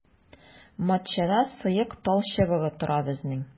Матчада сыек талчыбыгы тора безнең.